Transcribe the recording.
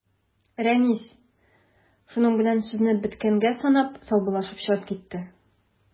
Рәнис, шуның белән сүзне беткәнгә санап, саубуллашып чыгып китте.